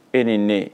E ni ne.